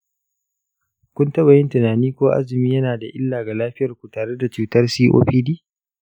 kun taɓa yin tunani ko azumi yana da illa ga lafiyarku tare da cutar copd?